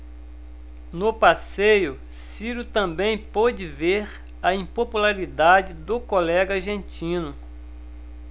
no passeio ciro também pôde ver a impopularidade do colega argentino